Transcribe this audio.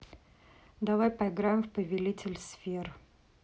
давай поиграем в повелитель сфер